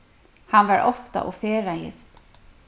hann var ofta og ferðaðist